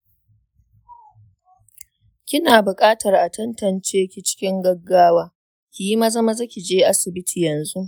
kina buƙatar a tantance ki cikin gaggawa, kiyi maza maza kije asibiti yanxu.